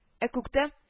Ә күктә